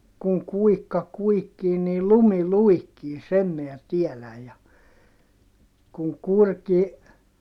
kun kuikka kuikkii niin lumi luikkii sen minä tiedän ja kun kurki